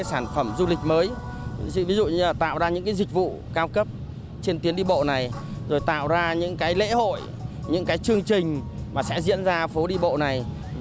sản phẩm du lịch mới ví dụ như là tạo ra những cái dịch vụ cao cấp trên tuyến đi bộ này rồi tạo ra những cái lễ hội những cái chương trình mà sẽ diễn ra phố đi bộ này